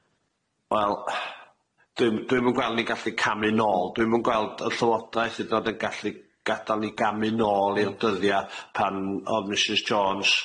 Wel , dwi'm dwi'm yn gweld ni gallu camu nôl. Dwi'm yn gweld y llywodraeth hyd 'n o'd yn gallu gadal ni gamu nôl i'r dyddia pan o'dd Misus Jones